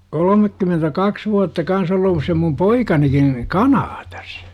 kolmekymmentäkaksi vuotta kanssa olleet se minun poikanikin Kanadassa